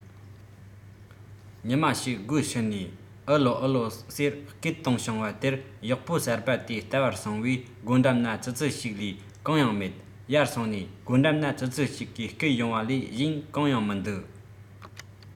ཉི མ ཞིག སྒོའི ཕྱི ནས ཨུ ལའོ ཨུ ལའོ ཟེར སྐད བཏང བྱུང བ དེར གཡོག པོ གསར པ དེས ལྟ བར སོང བས སྒོ འགྲམ ན ཙི ཙི ཞིག ལས གང ཡང མེད ཡར སོང ནས སྒོ འགྲམ ན ཙི ཙི ཞིག གིས སྐད གཡོང བ ལས གཞན གང ཡང མི འདུག